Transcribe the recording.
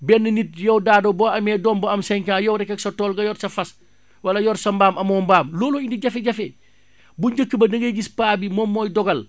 benn nit yow Dado boo amee doom bu am cinq ans yow rekk ak sa tool nga yor sa fas wala yor sa mbaam amoo mbaam loolooy indi jafe-jafe bu njëkk ba da ngay gis paa bi moom mooy dogal